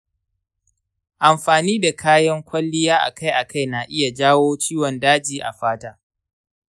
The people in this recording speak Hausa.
amfani da kayan kwalliya akai-akai na iya jawo ciwon daji a fata.